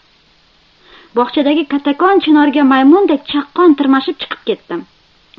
bog'chadagi kattakon chinorga maymundek chaqqon tirmashib chiqib ketdim